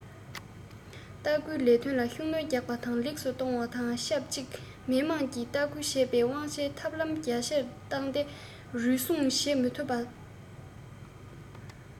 ལྟ སྐུལ ལས དོན ལ ཤུགས སྣོན རྒྱག པ དང ལེགས སུ གཏོང བ དང ཆབས ཅིག མི དམངས ཀྱིས ལྟ སྐུལ བྱེད པའི དབང ཆའི ཐབས ལམ རྒྱ ཆེར བཏང སྟེ རུལ སུངས བྱེད མི ཐུབ པ